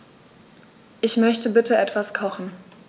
Ich möchte bitte etwas kochen.